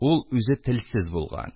Ул үзе телсез булган.